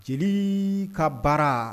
Jeli ka baara